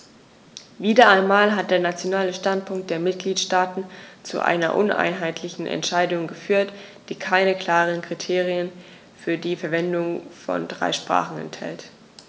Wieder einmal hat der nationale Standpunkt der Mitgliedsstaaten zu einer uneinheitlichen Entscheidung geführt, die keine klaren Kriterien für die Verwendung von drei Sprachen enthält.